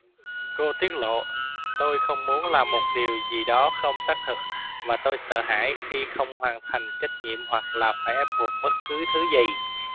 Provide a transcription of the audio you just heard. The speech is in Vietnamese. cô tiết lộ tôi không muốn làm một điều gì đó không xác thực và tôi sợ hãi khi không hoàn thành trách nhiệm hoặc là phải ép buộc bất cứ thứ gì